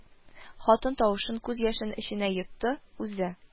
Хатын тавышын, күз яшен эченә йотты, үзе: